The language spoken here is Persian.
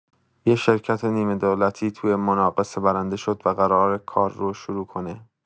یه شرکت نیمه‌دولتی توی مناقصه برنده شد و قراره کارو شروع کنه.